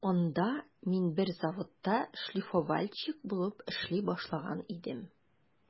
Анда мин бер заводта шлифовальщик булып эшли башлаган идем.